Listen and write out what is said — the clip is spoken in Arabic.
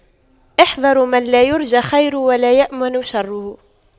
احذروا من لا يرجى خيره ولا يؤمن شره